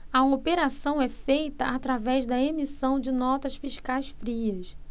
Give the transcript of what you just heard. a operação é feita através da emissão de notas fiscais frias